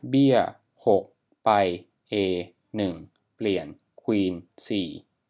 เบี้ยหกไปเอหนึ่งเปลี่ยนควีนสี่